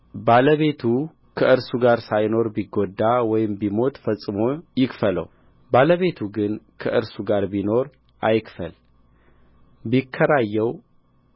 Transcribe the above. ባለቤቱ ከእርሱ ጋር ሳይኖር ቢጎዳ ወይም ቢሞት ፈጽሞ ይክፈለው ባለቤቱ ግን ከእርሱ ጋር ቢኖር አይክፈል ቢከራየው